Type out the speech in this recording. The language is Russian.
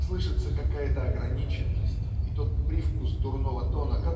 слышится какая-то ограниченность и тот привкус дурного тона